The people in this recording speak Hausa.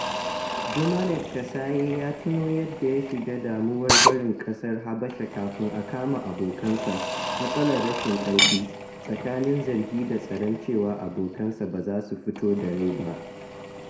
Jomaneɗ Kasaye ya tuno yadda ya shiga damuwar barin ƙasar Habasha kafin a kama abokansa - matsalar rashin ƙarfi - tsananin zargi da tsoron cewa abokansa ba za su fito da rai ba.